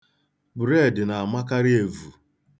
Bureedi na-amakarị evu